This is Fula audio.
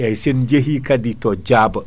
eyyi sen jeehi kadi to Diaba